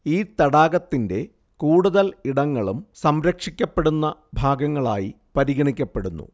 ഈ തടാകത്തിന്റെ കൂടുതൽ ഇടങ്ങളും സംരക്ഷിക്കപ്പെടുന്ന ഭാഗങ്ങളായി പരിഗണിക്കപ്പെടുന്നു